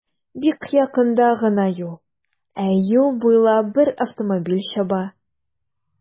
Бик якында гына юл, ә юл буйлап бер автомобиль чаба.